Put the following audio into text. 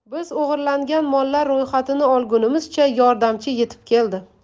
biz o'g'irlangan mollar ro'yxatini olgunimizcha yordamchi yetib keldi